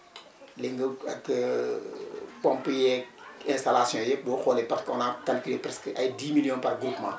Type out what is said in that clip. léegi nga ak pompe yeeg installation yëpp boo xoolee parce on a calculé presque ay 10 millions par groupement